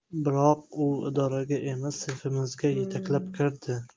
biroq u idoraga emas sinfimizga yetaklab kirdi